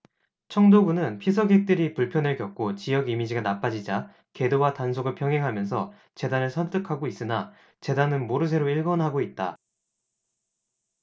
청도군은 피서객들이 불편을 겪고 지역 이미지가 나빠지자 계도와 단속을 병행하면서 재단을 설득하고 있으나 재단은 모르쇠로 일관하고 있다